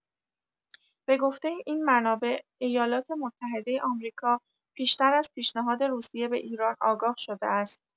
به گفته این منابع، ایالات‌متحده آمریکا پیشتر از پیشنهاد روسیه به ایران آگاه شده است.